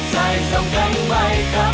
bước qua